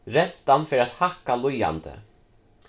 rentan fer at hækka líðandi